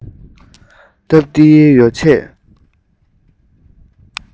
སྟབས བདེའི བཟའ བཅའ